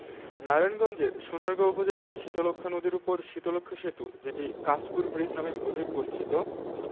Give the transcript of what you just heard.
নারায়ণগঞ্জের সোনারগাঁও উপজেলায় শীতলক্ষ্যা নদীর উপর শীতলক্ষ্যা সেতু যেটি কাঁচপুর ব্রীজ নামে অধিক পরিচিত